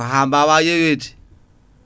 ha mbawa yeyoyde